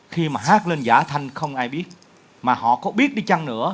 khi mà hát lên giả thanh không ai biết mà họ có biết đi chăng nữa